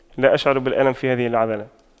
لا أشعر بالألم في هذه العضلة